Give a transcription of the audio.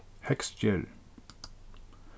heygsgerði